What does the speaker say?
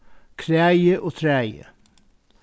kragi og træið